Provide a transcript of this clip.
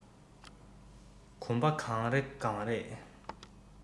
གོམ པ གང རེ གང རེས